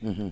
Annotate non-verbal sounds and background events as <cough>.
<hesitation> <hesitation>